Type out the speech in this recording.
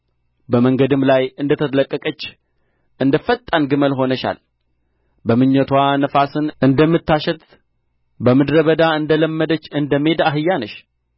በመንገድም ላይ እንደ ተለቀቀች እንደ ፈጣን ግመል ሆነሻል በምኞትዋ ነፋስን እንደምታሸትት በምድረ በዳ እንደ ለመደች እንደ ሜዳ አህያ ነሽ